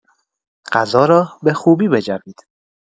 غذا را به خوبی بجوید.